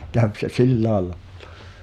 kävi se sillä lailla